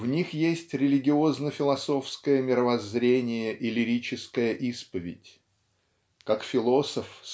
в них есть религиозно-философское мировоззрение и лирическая исповедь. Как философ